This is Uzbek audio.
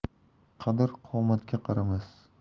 qadr qomatga qaramas